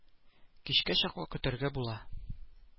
Кичкә чаклы көтәргә була